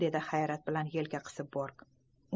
dedi hayrat bilan yelka qisib bork